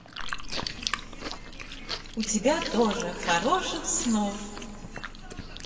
у тебя тоже хороших снов